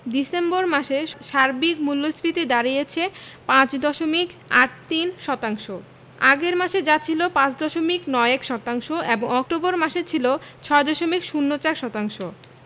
December মাসে সার্বিক মূল্যস্ফীতি দাঁড়িয়েছে ৫ দশমিক ৮৩ শতাংশ আগের মাসে যা ছিল ৫ দশমিক ৯১ শতাংশ এবং অক্টোবর মাসে ছিল ৬ দশমিক ০৪ শতাংশ